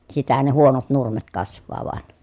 sitähän ne huonot nurmet kasvaa vain